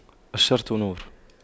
الشرط نور